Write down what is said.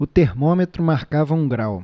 o termômetro marcava um grau